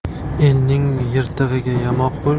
elning yirtig'iga yamoq